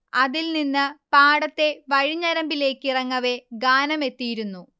അതിൽ നിന്ന് പാടത്തെ വഴിഞരമ്പിലേക്ക് ഇറങ്ങവെ ഗാനമെത്തിയിരുന്നു